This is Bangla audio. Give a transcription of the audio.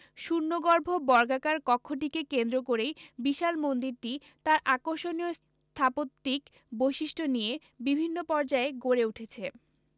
শূন্যগর্ভ বর্গাকার কক্ষটিকে কেন্দ্র করেই বিশাল মন্দিরটি তার আকর্ষণীয় স্থাপত্যিক বৈশিষ্ট্য নিয়ে বিভিন্ন পর্যায়ে গড়ে উঠেছে